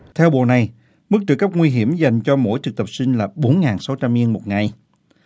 theo bộ này mức trợ cấp nguy hiểm dành cho mỗi thực tập sinh là bốn ngàn sáu trăm yên một ngày